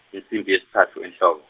insimbi yesitsatfu enhloko.